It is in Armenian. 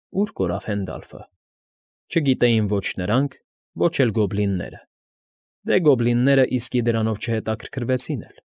Ո՞ւր կորավ Հենդալֆը։ Չգիտեին ո՛չ նրանք, ո՛չ էլ գոբլինները, դե գոբլիններն իսկի դրանով չհետաքրքրվեցին էլ։